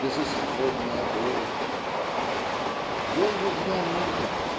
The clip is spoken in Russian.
безысходная боль!" Ей нужна мука